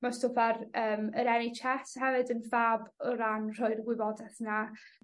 Ma'r stwff ar yym y En Haitch Ess hefyd yn fab o ran rhoi'r wybodaeth 'na.